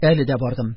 Әле дә бардым.